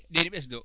ɗe ɗi ɓesɗo